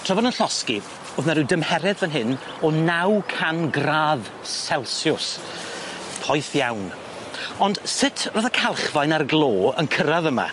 Tra bo' nw'n llosgi, o'dd 'na ryw dymheredd fyn hyn o naw can gradd selsiws. Poeth iawn. Ond sut ro'dd y calchfaen a'r glo yn cyrradd yma?